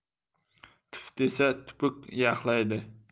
tuf desa tupuk yaxlaydi